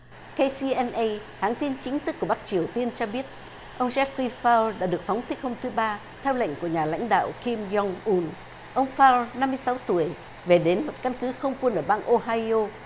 cây xi en ây hãng tin chính thức của bắc triều tiên cho biết ông dét phi phao đã được phóng thích hôm thứ ba theo lệnh của nhà lãnh đạo kim dong un ông phao năm mươi sáu tuổi về đến căn cứ không quân ở bang ô hai ô